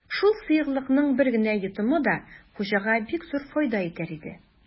Шул сыеклыкның бер генә йотымы да хуҗага бик зур файда итәр иде.